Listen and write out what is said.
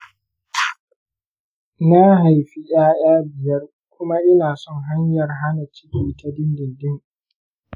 na haifi ‘ya’ya biyar kuma ina son hanyar hana ciki ta dindindin.